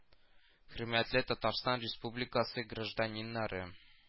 Хөрмәтле Татарстан Республикасы гражданиннары